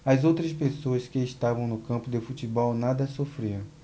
as outras pessoas que estavam no campo de futebol nada sofreram